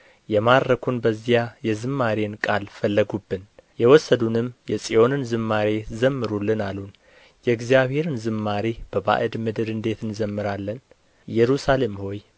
የማረኩን በዚያ የዝማሬን ቃል ፈለጉብን የወሰዱንም የጽዮንን ዝማሬ ዘምሩልን አሉን የእግዚአብሔርን ዝማሬ በባዕድ ምድር እንዴት እንዘምራለን ኢየሩሳሌም ሆይ